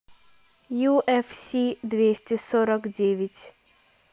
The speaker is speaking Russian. ю эф си двести сорок девять